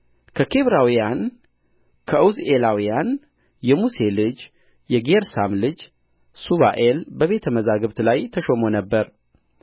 ከኬብሮናውያን ከዑዝኤላውያን የሙሴ ልጅ የጌርሳም ልጅ ሱባኤል በቤተ መዛግብት ላይ ተሾሞ ነበር